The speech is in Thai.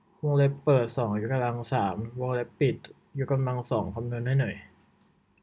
วงเล็บเปิดสองยกกำลังสามวงเล็บปิดยกกำลังสองคำนวณให้หน่อย